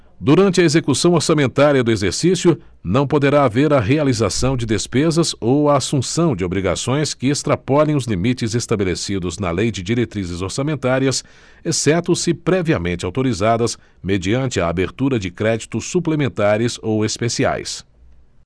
durante a execução orçamentária do exercício não poderá haver a realização de despesas ou a assunção de obrigações que extrapolem os limites estabelecidos na lei de diretrizes orçamentárias exceto se previamente autorizadas mediante a abertura de créditos suplementares ou especiais